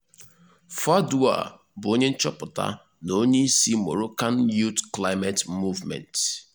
Fadoua bụ onye nchoputa na onye isi Moroccan Youth Climate Movement.